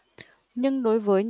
nhưng đối với